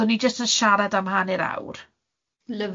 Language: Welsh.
So, ni jyst yn siarad am hanner awr.